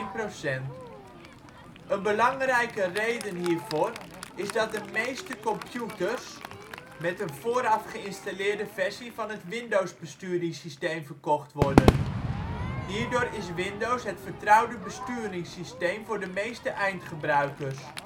procent. Een belangrijke reden hiervoor is dat de meeste computers met een vooraf geïnstalleerde versie van het Windows besturingssysteem verkocht worden. Hierdoor is Windows het vertrouwde besturingssysteem voor de meeste eindgebruikers